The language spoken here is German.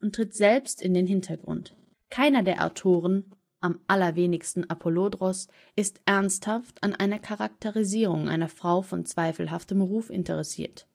tritt selbst in den Hintergrund. Keiner der Autoren – am allerwenigsten Apollodoros – ist ernsthaft an einer Charakterisierung einer Frau von zweifelhaftem Ruf interessiert